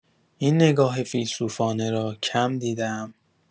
این نگاه فیلسوفانه را کم دیده‌ام.